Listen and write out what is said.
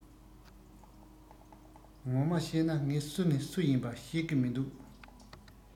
ངོ མ གཤས ན ངས སུ ནི སུ ཡིན པ ཤེས གི མི འདུག